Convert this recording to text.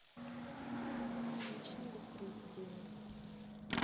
начни воспроизведение